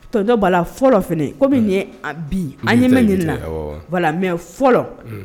Tonton Bala fɔlɔ fana comme bi an ɲɛ bɛ nin de la voilà mais fɔlɔ.